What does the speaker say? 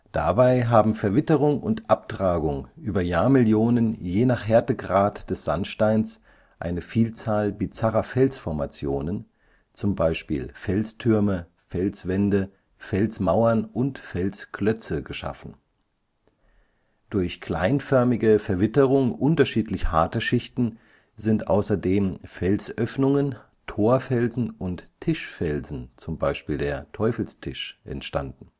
Dabei haben Verwitterung und Abtragung über Jahrmillionen je nach Härtegrad des Sandsteins eine Vielzahl bizarrer Felsformationen, z. B. Felstürme, Felswände, Felsmauern und Felsklötze, geschaffen. Durch kleinförmige Verwitterung unterschiedlich harter Schichten sind außerdem Felsöffnungen, Torfelsen und Tischfelsen (Teufelstisch) entstanden